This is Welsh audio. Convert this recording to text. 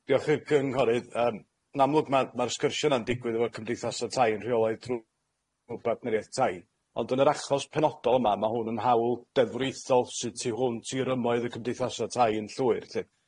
Diolch i'r cynghorydd. Yym yn amlwg ma' ma'r sgyrsia' yna'n digwydd efo cymdeithasa' tai yn rheolaidd drw- partneriaeth tai, ond yn yr achos penodol yma, ma' hwn yn hawl deddfwriaethol sydd tu hwnt i rymoedd y cymdeithasa' tai yn llwyr lly.